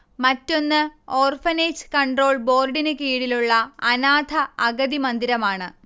മറ്റൊന്ന് orphanage control ബോർഡിനു കീഴിലുള്ള അനാഥ അഗതി മന്ദിരമാണ്